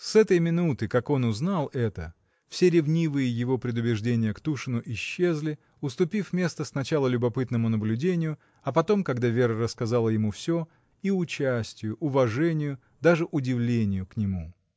С этой минуты, как он узнал это, все ревнивые его предубеждения к Тушину исчезли, уступив место сначала любопытному наблюдению, а потом, когда Вера рассказала ему всё, и участию, уважению, даже удивлению к нему.